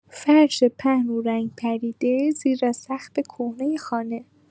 فرش پهن و رنگ‌پریده زیر سقف کهنه خانه